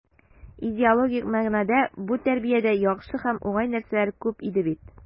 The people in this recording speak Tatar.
Идеологик мәгънәдә бу тәрбиядә яхшы һәм уңай нәрсәләр күп иде бит.